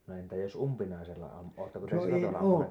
no entä jos umpinaisella ampuu oletteko te sillä tavalla